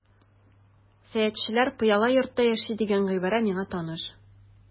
Сәясәтчеләр пыяла йортта яши дигән гыйбарә миңа таныш.